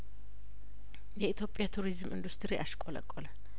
የኢትዮጵያ የቱሪዝም ኢንዱስትሪ አሽቆለቆለ